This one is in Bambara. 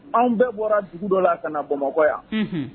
Anw bɛɛ bɔra dugu dɔ la ka na bamakɔma yan